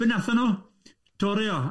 Be wnaethon nhw? Torri o?